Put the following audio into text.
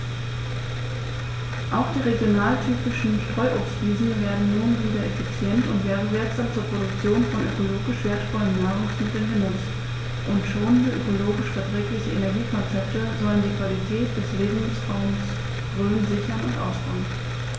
Auch die regionaltypischen Streuobstwiesen werden nun wieder effizient und werbewirksam zur Produktion von ökologisch wertvollen Nahrungsmitteln genutzt, und schonende, ökologisch verträgliche Energiekonzepte sollen die Qualität des Lebensraumes Rhön sichern und ausbauen.